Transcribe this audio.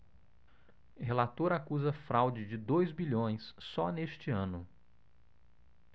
relator acusa fraude de dois bilhões só neste ano